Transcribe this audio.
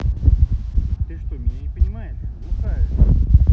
ты что меня не понимаешь глухая